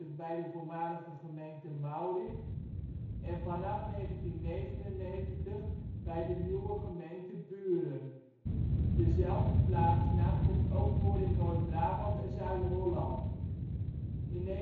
bij de voormalige gemeente Maurik en vanaf 1999 bij de (nieuwe) gemeente Buren. Dezelfde plaatsnaam komt ook voor in Noord-Brabant en Zuid-Holland. In 1915